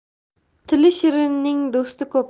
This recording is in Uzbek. tili shirinning do'sti ko'p